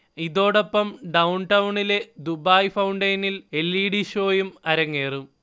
ഇതോടൊപ്പം ഡൗൺടൗണിലെ ദുബായ് ഫൗണ്ടെയിനിൽ എൽ. ഇഡി ഷോയും അരങ്ങേറും